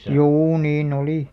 juu niin oli